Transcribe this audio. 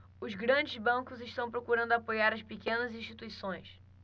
os grandes bancos estão procurando apoiar as pequenas instituições